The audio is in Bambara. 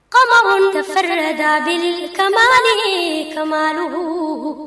Kaba fɛrɛ da kamalenbanin kadugu